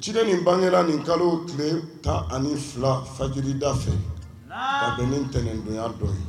Ci ni bangekɛla nin kalo tile ka ani fajda fɛ a bɛ ni ntɛnɛnkun dɔ ye